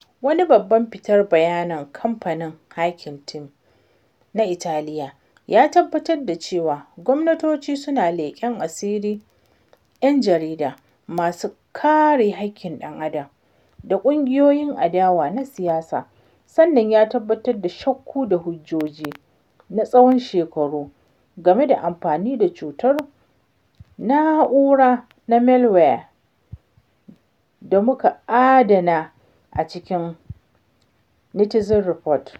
Wani babban fitar bayanan kamfanin Hacking Team na Italiya ya tabbatar da cewa gwamnatoci suna leƙen asirin ‘yan jarida, masu kare haƙƙin ɗan adam, da ƙungiyoyin adawa na siyasa, wannan ya tabbatar da shakku da hujjoji na tsawon shekaru game da amfani da cutar na'ura ta malware da muka adana a cikin Netizen Report.